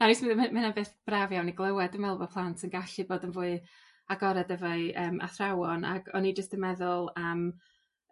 mae o'n beth braf iawn i glywed dwi'n me'wl bo' plant yn gallu bod yn fwy agored efo'u yym athrawon ac o'n i jyst yn meddwl am